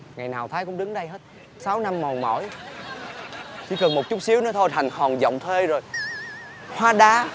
ngày nào thái cũng đứng đây hết sáu năm mòn mỏi chỉ cần một chút xíu nữa thôi là thành hòn vọng thê rồi hóa đá